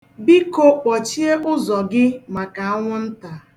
Biko, kpọchie ụzọ gị maka anwụnta